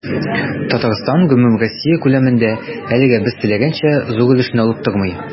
Татарстан гомумроссия күләмендә, әлегә без теләгәнчә, зур өлешне алып тормый.